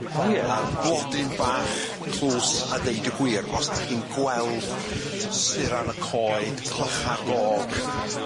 O ie. Yym blodyn bach tlws a deud y gwir os 'dach chi'n gweld suran y coed, clycha'r gog